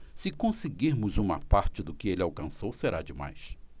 se conseguirmos uma parte do que ele alcançou será demais